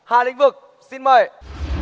hai lĩnh vực xin mời